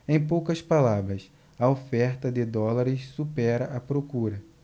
em poucas palavras a oferta de dólares supera a procura